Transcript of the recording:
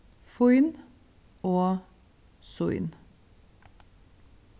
fín og sín